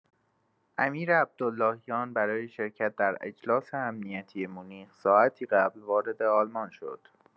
امیرعبداللهیان برای شرکت در اجلاس امنیتی مونیخ ساعتی قبل وارد آلمان شد.